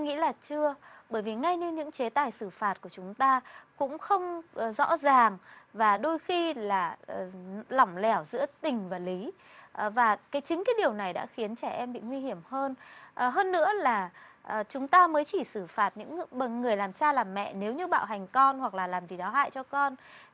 nghĩ là chưa bởi vì ngay như những chế tài xử phạt của chúng ta cũng không rõ ràng và đôi khi là lỏng lẻo giữa tình và lý ở và cái chính kiến điều này đã khiến trẻ em bị nguy hiểm hơn ở hơn nữa là ở chúng ta mới chỉ xử phạt những nước bẩn người làm cha làm mẹ nếu như bạo hành con hoặc là làm gì đó hại cho con